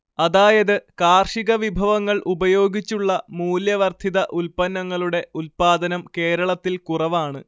അതായത് കാർഷികവിഭവങ്ങൾ ഉപയോഗിച്ചുള്ള മൂല്യവർദ്ധിത ഉൽപ്പന്നങ്ങളുടെ ഉൽപാദനം കേരളത്തിൽ കുറവാണ്